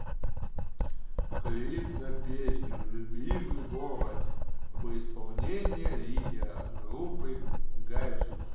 клип на песню любимый город в исполнении лидера группы rammstein